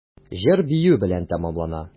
Җыр-бию белән тәмамлана.